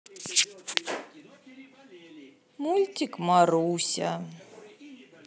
мультик маруся